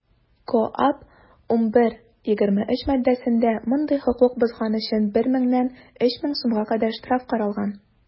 КоАП 11.23 маддәсендә мондый хокук бозган өчен 1 меңнән 3 мең сумга кадәр штраф каралган.